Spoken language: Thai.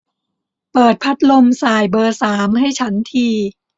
เปิดพัดลมส่ายเบอร์สามให้ฉันที